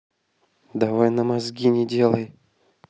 давай на мозги не делай